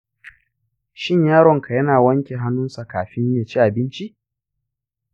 shin yaronka yana wanke hannunsa kafin ya ci abinci?